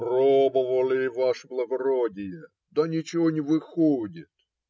- Пробовали, ваше благородие, да ничего не выходит.